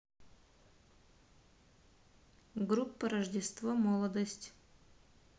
группа рождество молодость